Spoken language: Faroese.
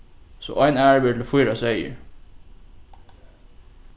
so ein ær verður til fýra seyðir